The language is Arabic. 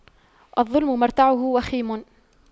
الظلم مرتعه وخيم